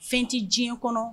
Fɛn tɛ diɲɛ kɔnɔ